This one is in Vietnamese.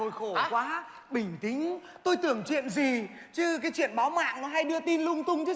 thôi khổ quá bình tĩnh tôi tưởng chuyện gì chứ cái chuyện báo mạng có hay đưa tin lung tung chứ gì